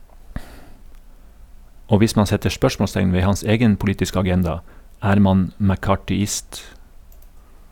Og hvis man setter spørsmålstegn ved hans egen politiske agenda, er man mccarthyist.